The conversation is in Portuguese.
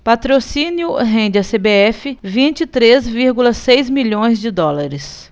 patrocínio rende à cbf vinte e três vírgula seis milhões de dólares